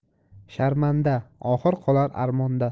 sharmanda oxir qolar armonda